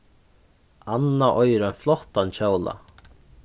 anna eigur ein flottan kjóla